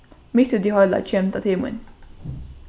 mitt í tí heila kemur tað til mín